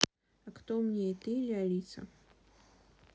а кто умнее ты или алиса